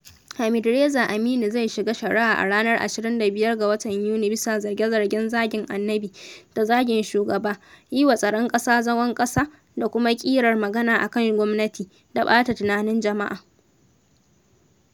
Hamidreza Amini zai shiga shari’a a ranar 25 ga Yuni bisa zarge-zargen “zagin annabi,” da “zagin shugaba,” “yi wa tsaron ƙasa zagon ƙasa,” da kuma “ƙirar magana akan gwamnati,” da “ɓata tunanin jama’a.”